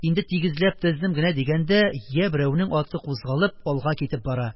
Инде тигезләп тездем генә дигәндә, я берәүнең аты, кузгалып, алга китеп бара,